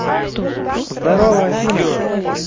здорово афина